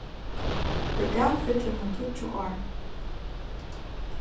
í dag fyllir hon tíggju ár